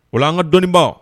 O an ka dɔnniibɔ